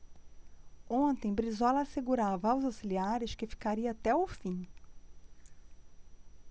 ontem brizola assegurava aos auxiliares que ficaria até o fim